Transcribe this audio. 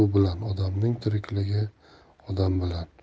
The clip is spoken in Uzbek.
odamning tirikligi odam bilan